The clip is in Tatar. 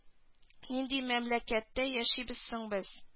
Нинди мәмләкәттә яшибез соң без